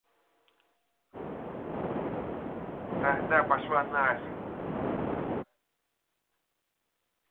тогда пошла нафиг